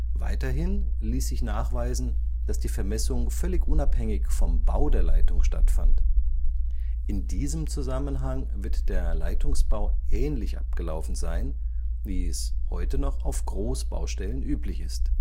Weiterhin ließ sich nachweisen, dass die Vermessung völlig unabhängig vom Bau der Leitung stattfand. In diesem Zusammenhang wird der Leitungsbau ähnlich abgelaufen sein, wie es heute noch auf Großbaustellen üblich ist